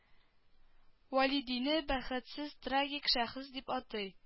Вәлидине бәхетсез трагик шәхес дип атый